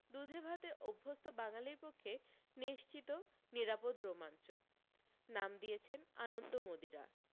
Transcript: দুধে ভাতে অভ্যস্ত বাঙালির পক্ষে নিশ্চিত নিরাপদ রোমাঞ্চ নাম দিয়েছেন আনন্দ মদিরা